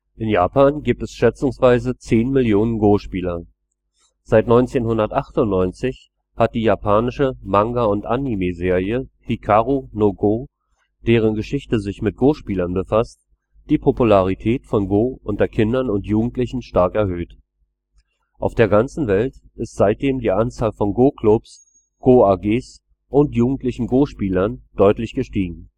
In Japan gibt es schätzungsweise 10 Millionen Go-Spieler. Seit 1998 hat die japanische Manga - und Anime-Serie Hikaru no Go, deren Geschichte sich mit Go-Spielern befasst, die Popularität von Go unter Kindern und Jugendlichen stark erhöht. Auf der ganzen Welt ist seitdem die Anzahl von Go-Clubs, Go-AGs und jugendlichen Go-Spielern deutlich gestiegen